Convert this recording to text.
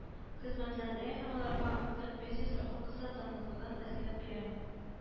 Хезмәтләндерә һәм аларга мотлак пенсия страховкасы таныклыгын әзерләп бирә